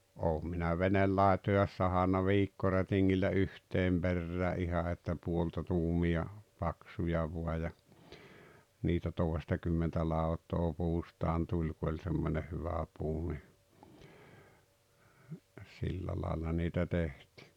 olen minä veneenlaitoja sahannut viikkorätingillä yhteen perään ihan että puolta tuumia paksuja vain ja niitä toistakymmentä lautaa puustaan tuli kun oli semmoinen hyvä puu niin sillä lailla niitä tehtiin